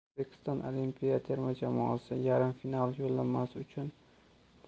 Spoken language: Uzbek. o'zbekiston olimpiya terma jamoasi yarim final